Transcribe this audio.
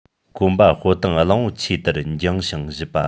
གོམ པ སྤོ སྟངས གླང པོ ཆེ ལྟར འགྱིང ཞིང བཞུད པ